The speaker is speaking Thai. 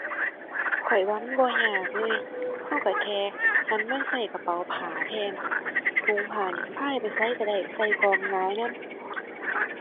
ข้อยว่ามันบ่ยากเลย เราเราแค่หันมาเรากระเป๋าผ้าแทน ถุงผ้าเนี่ยพายไปไสเราได้ ใส่ของหลายนำ